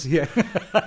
Ie .